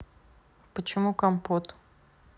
почему компот